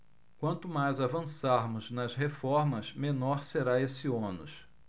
quanto mais avançarmos nas reformas menor será esse ônus